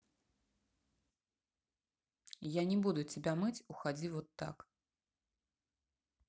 я не буду тебя мыть уходи вот так